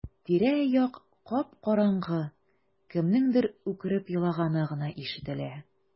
Тирә-як кап-караңгы, кемнеңдер үкереп елаганы гына ишетелә.